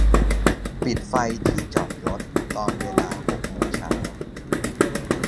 ปิดไฟที่จอดรถตอนเวลาหกโมงเช้า